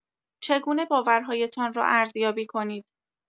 چگونه باورهایتان را ارزیابی کنید